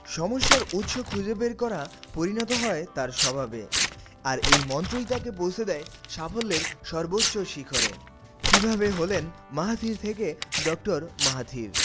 সমস্যার উৎস খুঁজে বের করা পরিণত হয় তার স্বভাবে আর এই মন্ত্রই তাকে পৌঁছে দেয় সাফল্যের সর্বোচ্চ শিখরে কিভাবে হলেন মাহাথির থেকে ডক্টর মাহাথির